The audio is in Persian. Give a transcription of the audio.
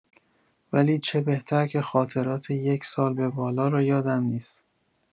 ولی چه بهتر که خاطرات یکسال به بالا را یادم نیست.